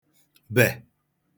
bè